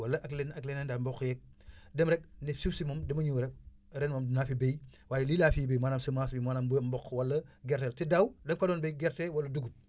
wala ak leneen ak leneen daal mboq yeek dem rek ne suuf si moom damay ñëw rek ren moom dinaa fi bay waye lii laa fiy bay maanaam semence bi maanaam mu doon mboq wala gerte la te daaw da nga fa doon bay gerte wala dugub